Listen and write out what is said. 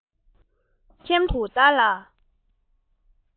ཁྱིམ ཚང གསར བའི ནང དུ བདག ལ